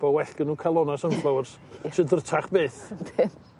bo' well gan n'w ca'l o na sunflowers sy'n drytach fyth. Yndi.